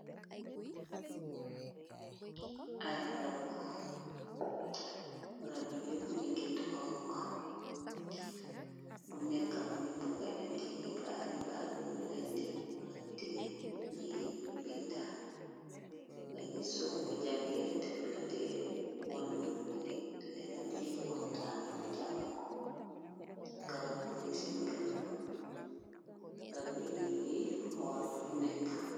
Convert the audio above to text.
ay rabrabi yeb ni ngi toog bu nekkamuni buga ind xibaar xibaar buwu lañdeb walante ñi binda nga gi soo ko jàngee dex la de won lu bori te denga dee kontaarbu jànga ko garab mungi seen gana rabiñ yi xool fu nekk